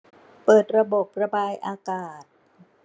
เปิดระบบระบายอากาศ